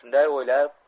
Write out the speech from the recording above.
shunday o'ylab